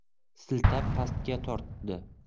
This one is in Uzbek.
siltab pastga tortdi